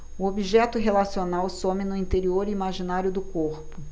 o objeto relacional some no interior imaginário do corpo